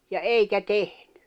ja eikä tehnyt